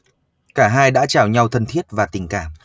cả hai đã chào nhau thân thiết và tình cảm